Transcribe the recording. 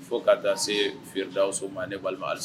Fo kaa taa se feeredaso ma